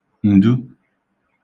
ǹdu